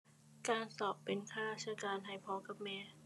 การสอบเป็นข้าราชการให้พ่อกับแม่